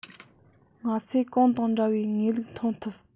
ང ཚོས གོང དང འདྲ བའི ངེས ལུགས མཐོང ཐུབ